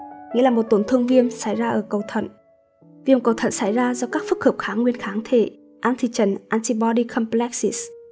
nghĩa là một tổn thương viêm xảy ra ở cầu thận viêm cầu thận xảy ra do các phức hợp kháng nguyên kháng thể